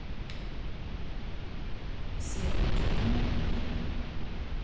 все мультфильмы мира